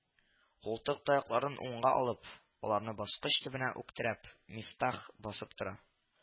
Култык таякларын уңга алып, аларны баскыч төбенә үк терәп, Мифтах басып тора